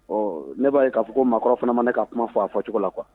Ɔ ne b'a ye k'a fɔ ko maakɔrɔ fana ma ne ka kuma fɔ a fɔ cogo la quoi